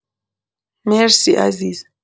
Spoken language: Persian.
مرسی عزیز